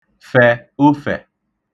fẹ̀ ofẹ̀